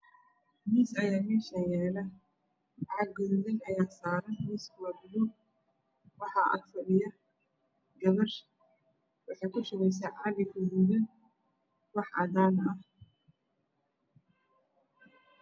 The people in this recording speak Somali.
Miis aya yaalo meshan cag gaduudan ayaa saran miskawaabaluug waxag fadhiyo gabar waxeykushubeysa caga gaduudn waxcadan ah